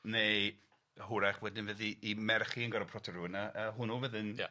Neu hwrach wedyn fydd 'i 'i merch hi'n gor'o' proti rywun a a hwnnw fydd yn... Ia.